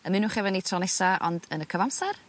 Ymunwch hefo ni tro nesa ond yn y cyfamser